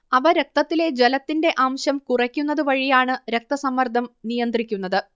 അവ രക്തത്തിലെ ജലത്തിന്റെ അംശം കുറയ്ക്കുന്നത് വഴിയാണ് രക്തസമ്മർദ്ദം നിയന്ത്രിക്കുന്നത്